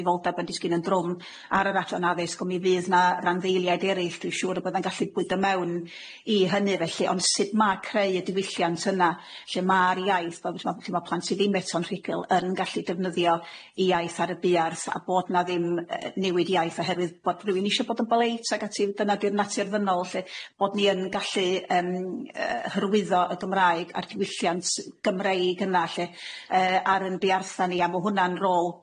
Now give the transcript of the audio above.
gyfrifoldab yn disgyn yn drwm ar yr Adran Addysg ond mi fydd 'na randdeiliaid erill dwi'n siŵr y bydda'n gallu bwydo mewn i hynny felly ond sud ma' creu y diwylliant yna lle ma'r iaith fel t'bod lle ma' plant sy' ddim eto'n rhugl yn gallu defnyddio i iaith ar y buarth a bod 'na ddim yy newid iaith oherwydd bod rywun isio bod yn boleit ag ati, dyna 'di'r natur ddynol lly, bod ni yn gallu yym yy hyrwyddo y Gymraeg a'r diwylliant Gymreig yna lle yy ar yn buartha' ni a ma' hwnna'n rôl,